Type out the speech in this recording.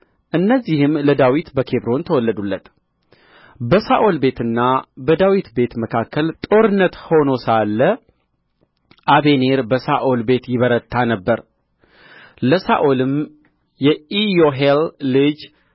እነዚህም ለዳዊት በኬብሮን ተወለዱለት በሳኦል ቤትና በዳዊት ቤት መካከል ጦርነት ሆኖ ሳለ አበኔር በሳኦል ቤት ይበረታ ነበር ለሳኦልም የኢዮሄል ልጅ